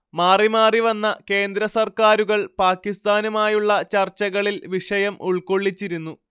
മാറിമാറി വന്ന കേന്ദ്രസർക്കാരുകൾ പാകിസ്താനുമായുള്ള ചർച്ചകളിൽ വിഷയം ഉൾക്കൊള്ളിച്ചിരുന്നു